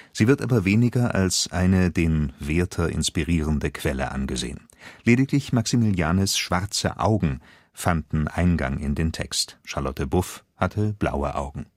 Sie wird aber weniger als eine den Werther inspirierende Quelle angesehen, lediglich Maximilianes „ Schwarze Augen “fanden Eingang in den Text. Charlotte Buff hatte blaue Augen